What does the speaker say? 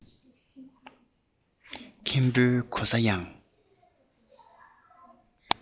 མཁན པོའི གོ ས ཡང